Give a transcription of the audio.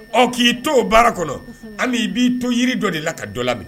Ɔ k'i to o baara kɔnɔ an i b'i to yiri dɔ de la ka dɔ la